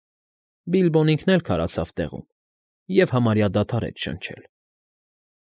Բիլբոն ինքն էլ քարացավ տեղում և համարյա դադարեց շնչել։